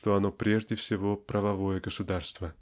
что оно прежде всего правовое государство.